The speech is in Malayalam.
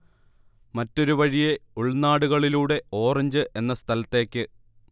മറ്റൊരു വഴിയെ, ഉൾനാടുകളിലൂടെ, ഓറഞ്ച് എന്ന സ്ഥലത്തേക്ക്